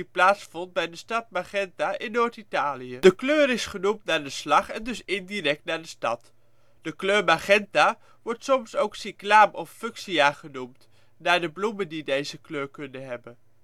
plaatsvond bij de stad Magenta in Noord-Italië. De kleur is genoemd naar de slag, en dus indirect naar de stad. De kleur magenta wordt soms ook cyclaam of fuchsia genoemd, naar de bloemen die deze kleur kunnen